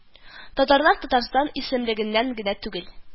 Татарлар Татарстан исемлегеннән генә түгел